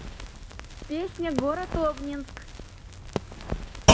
песня город обнинск